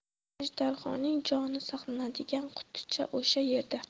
ajdarhoning joni saqlanadigan quticha o'sha yerda